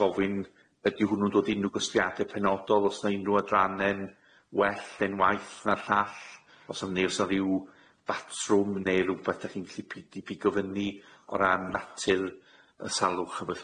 gofyn ydi hwnnw'n dod i unrw gostiade penodol os na unw adrana'n well en waeth na'r llall os na rhiw batrwm ne' rwbeth dach chi'n gallu p- di- pigo fyny o ran natur y salwch a beth